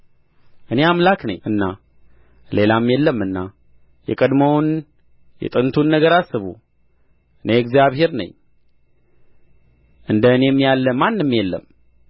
እኔ አምላክ ነኝና ሌላም የለምና የቀድሞውን የጥንቱን ነገር አስቡ እኔ እግዚአብሔር ነኝ እንደ እኔም ያለ ማንም የለም